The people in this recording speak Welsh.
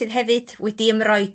###sydd hefyd wedi ymroi